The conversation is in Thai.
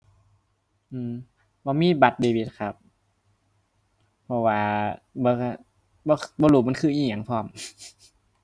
อือ บ่มีบัตรเดบิตครับ เพราะว่าบ่ บ่ บ่รู้มันคืออิหยังพร้อม